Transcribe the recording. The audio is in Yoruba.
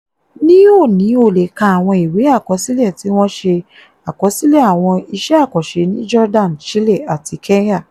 Ní òní o lè kà àwọn ìwé àkọsílẹ tí wọ́n ṣe àkọsílẹ̀ àwọn iṣẹ́ àkànṣe ní Jordan, Chile, àti Kenya.